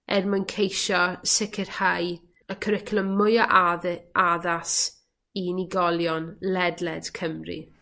er mwyn ceisio sicirhau y cwricwlwm mwya addu- addas i unigolion ledled Cymru.